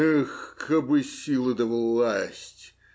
Эх, кабы сила да власть!.